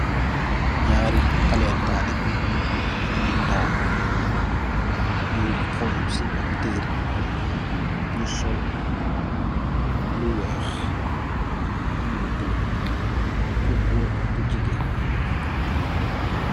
Ñaari xaleh talibeh yu ndaw ñu xool ci ap terreh ñu sol lu wèèx am ku bula lu gór ak ku gigeen.